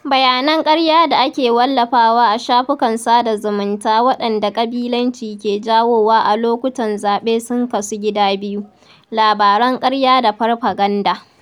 Bayanan ƙarya da ake wallafawa a shafukan sada zumunta waɗanda ƙabilanci ke jawowa a lokutan zaɓe sun kasu gida biyu: labaran ƙarya da farfaganda.